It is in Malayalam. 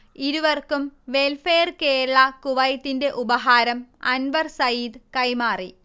ഇരുവർക്കും വെൽഫെയർ കേരള കുവൈത്തിന്റെ ഉപഹാരം അൻവർ സയീദ് കൈമാറി